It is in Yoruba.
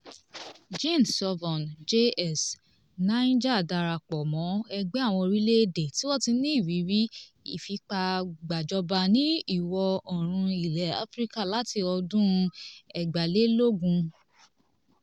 Jean Sovon (JS): Niger darapọ̀ mọ́ ẹgbẹ́ àwọn orílẹ̀-èdè tí wọ́n ti ní ìrírí ìfipágbàjọba ní Ìwọ̀-oòrùn ilẹ̀ Áfíríkà láti ọdún 2020.